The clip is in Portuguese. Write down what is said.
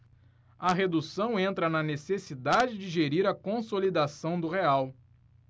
a redução entra na necessidade de gerir a consolidação do real